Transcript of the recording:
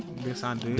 202